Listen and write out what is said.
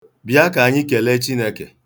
Bịa, ka anyị kelee Chineke.